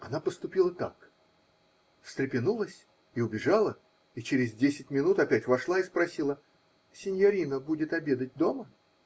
Она поступила так: встрепенулась и убежала и через десять минут опять вошла и спросила: -- Синьорино будет обедать дома?